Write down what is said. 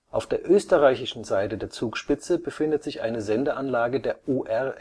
Auf der österreichischen Seite der Zugspitze befindet sich eine Sendeanlage der ORS